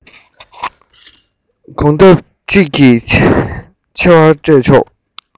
གོང ལྡབ གཅིག གིས ཆེ བ སྤྲད ཆོག